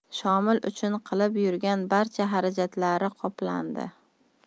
shomil uchun qilib yurgan barcha xarajatlari qoplandi